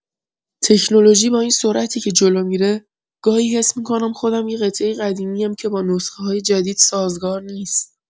تکنولوژی با این سرعتی که جلو می‌ره، گاهی حس می‌کنم خودم یه قطعۀ قدیمی‌ام که با نسخه‌های جدید سازگار نیست.